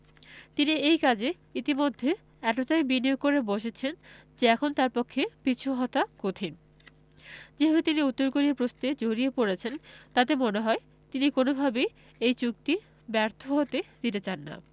তিনি এই কাজে ইতিমধ্যে এতটাই বিনিয়োগ করে বসেছেন যে এখন তাঁর পক্ষে পিছু হটা কঠিন যেভাবে তিনি উত্তর কোরিয়া প্রশ্নে জড়িয়ে পড়েছেন তাতে মনে হয় তিনি কোনোভাবেই এই চুক্তি ব্যর্থ হতে দিতে চান না